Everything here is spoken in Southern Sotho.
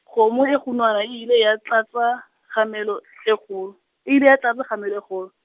kgomo e kgunwana e ile ya tlatsa, kgamelo, e kgolo, e ile ya tlatsa kgamelo e kgolo.